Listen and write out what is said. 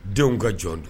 Denw ka jɔn don